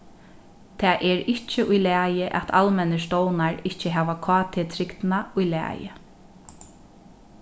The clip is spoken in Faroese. tað er ikki í lagi at almennir stovnar ikki hava kt-trygdina í lagi